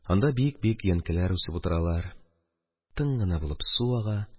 Анда биек-биек өянкеләр үсеп утыралар, тын гына булып су ага,